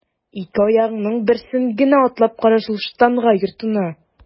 Ике аягыңның берсен генә атлап кара шул штанга йортына!